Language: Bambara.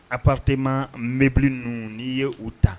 Apte ma mɛnbili n ninnu n'i ye u ta